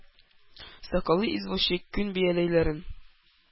Сакаллы извозчик, күн бияләйләрен